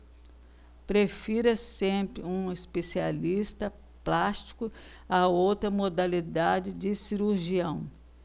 prefira sempre um especialista plástico a outra modalidade de cirurgião